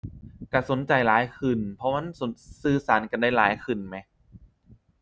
ก็สนใจหลายขึ้น เพราะมันสน สื่อสารกันได้หลายขึ้นแหม